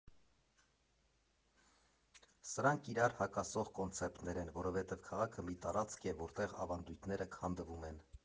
Սրանք իրար հակասող կոնցեպտներ են, որովհետև քաղաքը մի տարածք է, որտեղ ավանդույթները քանդվում են։